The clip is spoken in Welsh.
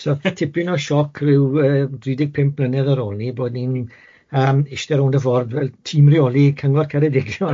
So tipyn o sioc ryw yy dri deg pump mlynedd ar ôl ni bod ni'n yym iste rownd y ffordd fel tîm reoli cyngor Ceredigion.